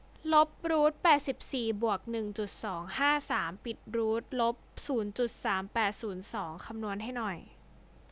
ลบรูทแปดสิบสี่บวกหนึ่งจุดสองห้าสามปิดรูทลบศูนย์จุดสามแปดศูนย์สองคำนวณให้หน่อย